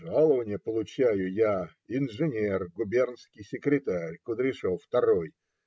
Жалованья получаю я, инженер, губернский секретарь Кудряшов второй,